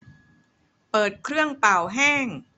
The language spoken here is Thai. เปิดเครื่องเป่าแห้ง